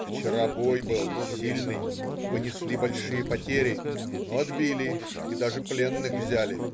"Вчера бой был, сильный, понесли большие потери, но отбили и даже пленных взяли.